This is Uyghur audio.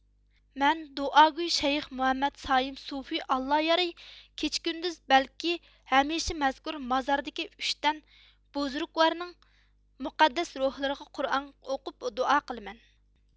مەن دۇئاگوي شەيخ مۇھەممەد سايىم سۇفى ئاللا يارى كېچە كۈندۈز بەلكى ھەمىشە مەزكۇر مازاردىكى ئۈچ تەن بۇزرۇگۋارنىڭ مۇقەددەس روھلىرىغا قۇرئان ئوقۇپ دۇئا قىلىمەن